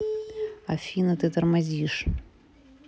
афина ты тормозишь